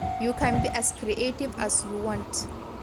You can be as creative as you want.